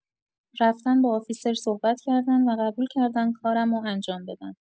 رفتن با آفیسر صحبت کردن و قبول‌کردن کارمو انجام بدن.